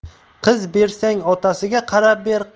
qiz bersang otasiga qarab ber